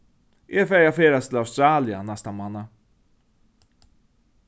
eg fari at ferðast til australia næsta mánað